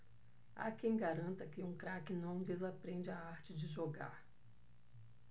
há quem garanta que um craque não desaprende a arte de jogar